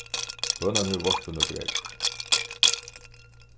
hønan hevur vorpið nøkur egg